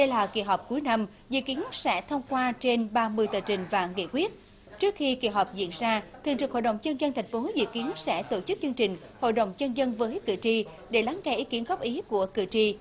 đây là kỳ họp cuối năm dự kiến sẽ thông qua trên ba mươi tờ trình và nghị quyết trước khi kỳ họp diễn ra thường trực hội đồng nhân dân thành phố dự kiến sẽ tổ chức chương trình hội đồng nhân dân với cử tri để lắng nghe ý kiến góp ý của cử tri